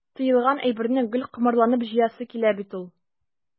Тыелган әйберне гел комарланып җыясы килә бит ул.